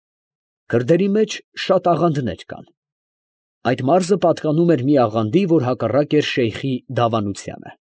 Քրդերի մեջ շատ աղանդներ կան. այդ մարդը պատկանում էր մի աղանդի, որ հակառակ էր շեյխի դավանությանը։